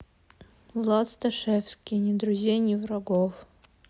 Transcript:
влад сташевский ни друзей ни врагов